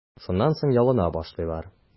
Шуннан соң ялына башлыйлар.